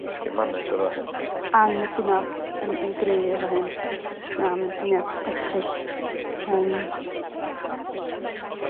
dysgu manners siŵr o fo'. Angytuno. Yn yn gry efo hyn. Na ma'n syniad erchyll. Yym.